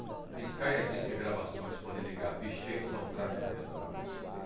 biscaia diz que gravações podem ligar bicheiros ao tráfico de drogas